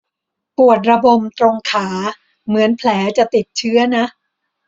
ปวดระบมตรงขาเหมือนแผลจะติดเชื้อนะ